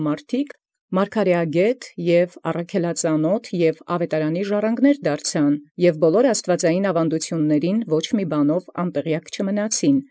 Աշխարհն Աղուանից մարգարէագէտք և առաքելածանաւթք և աւետարանաժառանգք լինէին, և ամենայն աւանդելոցն Աստուծոյ ոչ իւիք անտեղեակք։